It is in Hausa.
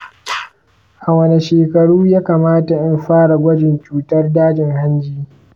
a wane shekaru ya kamata in fara gwajin cutar dajin hanji?